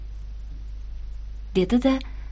dedi da